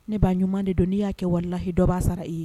Ne baa ɲuman de don n'i y'a kɛwalelahi i dɔ b'a sɔrɔ i ye